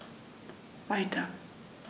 Weiter.